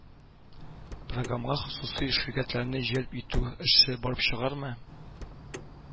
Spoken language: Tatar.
Програмга хосусый ширкәтләрне җәлеп итү эше барып чыгармы